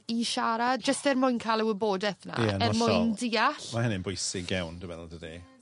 i siarad jyst er mwyn ca'l y wobodaeth 'na... Ie'n hollol. ...er mwyn deall. Mae hynny'n bwysig iawn dwi'n meddwl dydi?